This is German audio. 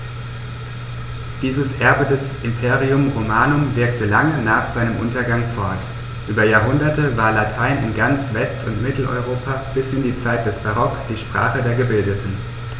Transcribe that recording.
Dieses Erbe des Imperium Romanum wirkte lange nach seinem Untergang fort: Über Jahrhunderte war Latein in ganz West- und Mitteleuropa bis in die Zeit des Barock die Sprache der Gebildeten.